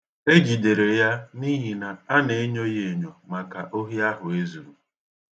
E jidere ya n'ihi na a na-enyo ya enyo maka ohi ahụ e zurụ.